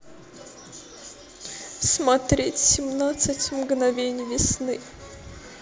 смотреть семнадцать мгновений весны